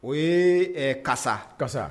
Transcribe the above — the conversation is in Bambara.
O ye karisa kasa